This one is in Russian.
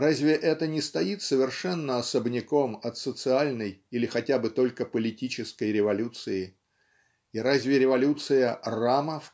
разве это не стоит совершенно особняком от социальной или хотя бы только политической революции? И разве революция рама